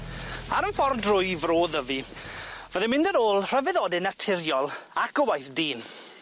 Ar 'yn ffordd drwy Fro Ddyfi fyddai'n mynd ar ôl rhyfeddode naturiol ac y waith dyn.